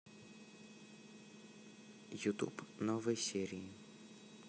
ютуб новые серии